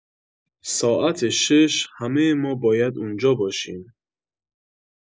ساعت شش همه ما باید اونجا باشیم